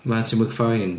Marti McFine.